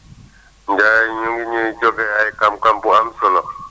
gars yi ñu ngi ñuy joxe ay xam-xam bu am solo